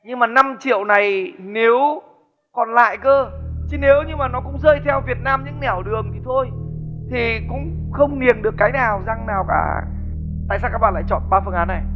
nhưng mà năm triệu này nếu còn lại cơ chứ nếu như mà nó cũng rơi theo việt nam những nẻo đường thì thôi thì cũng không niềng được cái nào răng nào cả tại sao các bạn lại chọn ba phương án này